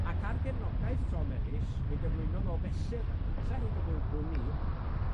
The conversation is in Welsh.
Ac ar gefnogaeth Tom Ellis, mi gyflwynodd o fesur, y cynta hyd y gw- gwn i,